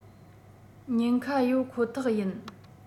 ཉེན ཁ ཡོད ཁོ ཐག ཡིན